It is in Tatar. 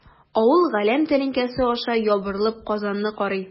Авыл галәм тәлинкәсе аша ябырылып Казанны карый.